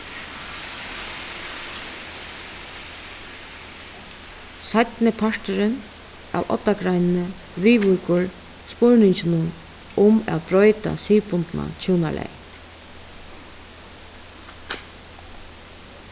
seinni parturin av oddagreinini viðvíkur spurninginum um at broyta siðbundna hjúnalagið